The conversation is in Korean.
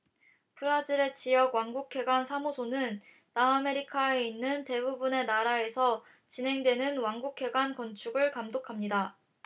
브라질의 지역 왕국회관 사무소는 남아메리카에 있는 대부분의 나라에서 진행되는 왕국회관 건축을 감독합니다